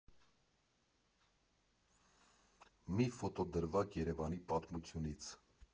Մի ֆոտոդրվագ Երևանի պատմությունից։